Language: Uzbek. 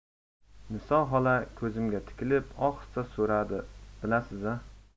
niso xola ko'zimga tikilib ohista so'radi bilasiz a